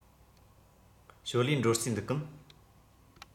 ཞའོ ལིའི འགྲོ རྩིས འདུག གམ